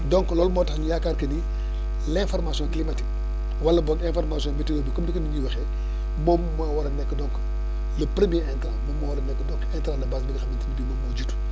donc loolu moo tax ñu yaakaar que ni l' information climatique wala boog information météo bi comme ni ko nit ñiy waxee moom moo war a nekk donc le premier intrant moom moo war a nekk donc intrant de base bi nga xamante ne bii moom moo jiitu